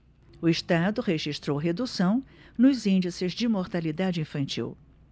o estado registrou redução nos índices de mortalidade infantil